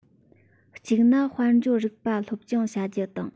གཅིག ནི དཔལ འབྱོར རིག པ སློབ སྦྱོང བྱ རྒྱུ དང